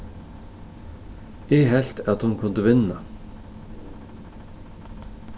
eg helt at hon kundi vinna